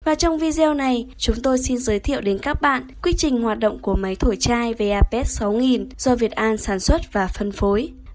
và trong video này chúng tôi xin giới thiệu đến các bạn quy trình hoạt động của máy thổi chai vapet do việt an sản xuất và phân phối